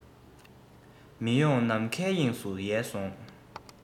མི མཐོང ནམ མཁའི དབྱིངས སུ ཡལ སོང